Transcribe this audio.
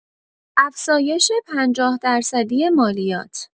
افزایش پنجاه‌درصدی مالیات